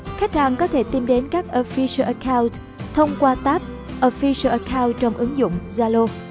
khách hàng có thể tìm đến các official account thông qua tab official account trong ứng dụng zalo